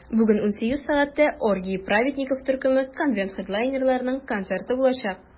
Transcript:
Бүген 18 сәгатьтә "Оргии праведников" төркеме - конвент хедлайнерларының концерты булачак.